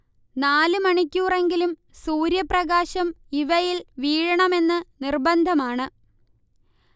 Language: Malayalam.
നാല് മണിക്കൂറെങ്കിലും സൂര്യപ്രകാശം ഇവയിൽ വീഴണമെന്ന് നിര്ബന്ധമാണ്